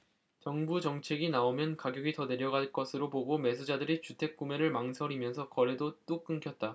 정부 정책이 나오면 가격이 더 내려갈 것으로 보고 매수자들이 주택 구매를 망설이면서 거래도 뚝 끊겼다